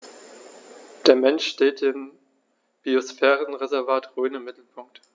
Der Mensch steht im Biosphärenreservat Rhön im Mittelpunkt.